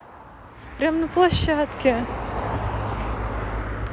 прям на площадке